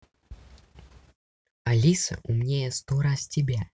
алиса умнее сто раз тебя